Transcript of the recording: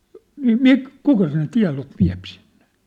niin - kuka sen tiedon vie sinne